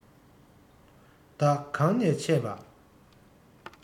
བདག གང ནས ཆས པ